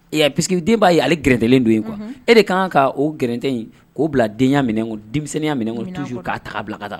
I y'a ye puis que den b'a ye ale gɛrɛntɛlen don yen quoi . Unhun! E de kan ka, o gɛrɛntɛ in, k'o bila denya minɛ kɔnɔ, denmisɛnniya minɛ kɔnɔ. . Minɛ kɔnɔ. Toujours k'a ta ka bila ka taa